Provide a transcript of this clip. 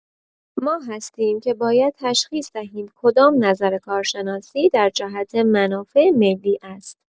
ما هستیم که باید تشخیص دهیم کدام نظر کارشناسی، در جهت منافع ملی است.